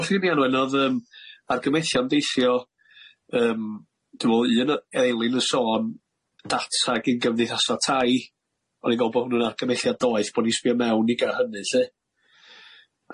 Oes gen Anwen odd yym argymellion deithio yym dwi me'wl un yy Elin yn sôn data gin gymdeithasol tai o'n i'n me'wl bo' hwnnw'n argymelliad doeth bo' ni'n sbio mewn i ga'l hynny lly,